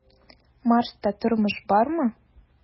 "марста тормыш бармы?"